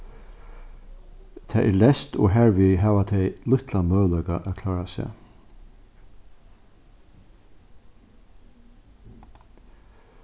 tað er leyst og harvið hava tey lítlan møguleika at klára seg